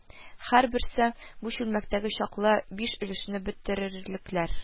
Һәрберсе бу чүлмәктәге чаклы биш өлешне бетерерлекләр